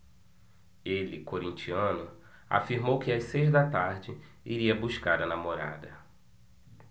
ele corintiano afirmou que às seis da tarde iria buscar a namorada